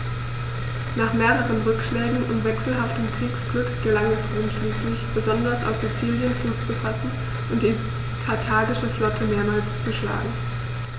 Nach mehreren Rückschlägen und wechselhaftem Kriegsglück gelang es Rom schließlich, besonders auf Sizilien Fuß zu fassen und die karthagische Flotte mehrmals zu schlagen.